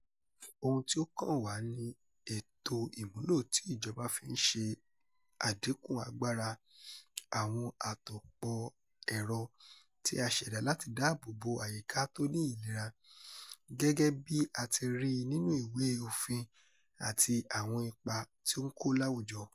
Ohun tí ó kàn wá ni ètò ìmúlò tí ìjọba fi ń ṣe àdínkù agbára àwọn àtòpọ̀ ẹ̀rọ tí a ṣẹ̀dá láti dáàbò bo àyíká tó ní ìlera, gẹ́gẹ́ bí a ti rí i nínú ìwé òfin àti àwọn ipa tí ó ń kó láwùjọ.